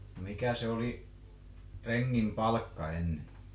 no mikä se oli rengin palkka ennen